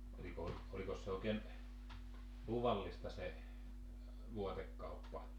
oliko - olikos se oikein luvallista se vaatekauppa